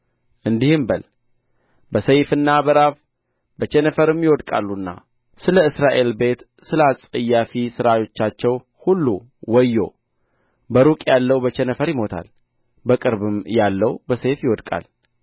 እንዲህም በል በሰይፍና በራብ በቸነፈርም ይወድቃሉና ስለ እስራኤል ቤት ስለ አስጸያፊ ሥራዎቻቸው ሁሉ ወዮ በሩቅ ያለው በቸነፈር ይሞታል በቅርብም ያለው በሰይፍ ይወድቃል